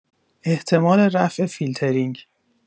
احتمال رفع فیلترینگ